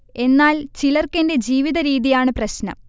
എന്നാൽ ചിലർക്കെന്റെ ജീവിത രീതിയാണ് പ്രശ്നം